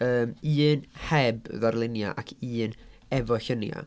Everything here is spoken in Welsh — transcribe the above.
Yym un heb ddarluniau ac un efo lluniau.